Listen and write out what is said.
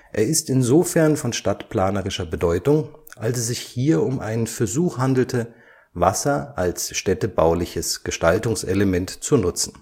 ist insofern von stadtplanerischer Bedeutung, als es sich hier um einen Versuch handelte, Wasser als städtebauliches Gestaltungselement zu nutzen